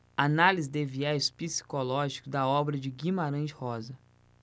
análise de viés psicológico da obra de guimarães rosa